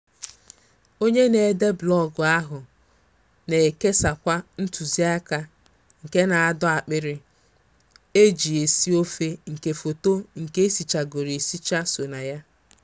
Onye na-ede blọọgụ ahụ na-ekesakwa ntuziaka na-adọ akpirị eji esi ofe nke foto nke esichagoro esicha so na ya.